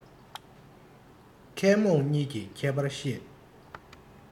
མཁས རྨོངས གཉིས ཀྱི ཁྱད པར ཤེས